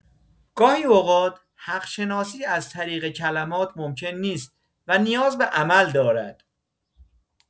گاهی اوقات حق‌شناسی از طریق کلمات ممکن نیست و نیاز به عمل دارد.